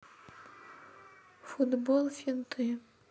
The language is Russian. футбол финты